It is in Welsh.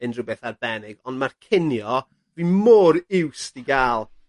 unrhywbeth arbennig ond ma'r cinio, fi mor iwst i ga'l